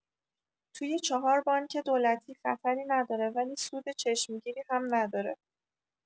توی ۴ بانک دولتی خطری نداره ولی سود چشمگیری هم نداره